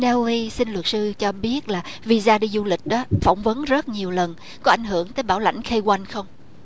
nâu uây xin luật sư cho biết là vi da đi du lịch đó phỏng vấn rất nhiều lần có ảnh hưởng đến tới bảo lãnh khai oăn không